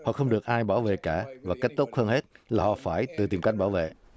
họ không được ai bảo vệ cả và cách tốt hơn hết lọ phải tự tìm cách bảo vệ